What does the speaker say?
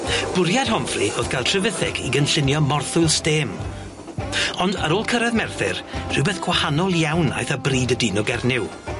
Bwriad Homfrey oedd gal Trevithick i gynllunio morthwyl stêm ond ar ôl cyrradd Merthyr rhywbeth gwahanol iawn aeth â bryd y dyn o Gernyw.